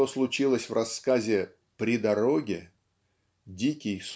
что случилось в рассказе "При дороге" (дикий